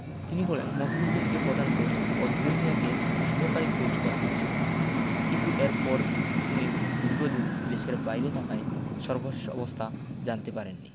তিনি বলেন মফিজ উদ্দিনকে পধান কৌচ ও জুয়েল মিয়াকে সহকারী কৌচ করা হয়েছিল কিন্তু এরপর তিনি দীর্ঘদিন দেশের বাইরে থাকায় সর্বশেষ অবস্থা জানতে পারেননি